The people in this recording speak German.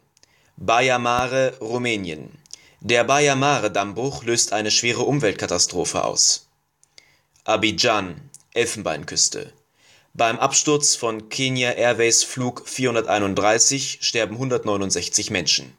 Baia Mare/Rumänien: Der Baia-Mare-Dammbruch löst eine schwere Umweltkatastrophe aus. Abidjan/Elfenbeinküste: Beim Absturz von Kenya-Airways-Flug 431 sterben 169 Menschen